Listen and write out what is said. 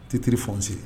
titre foncier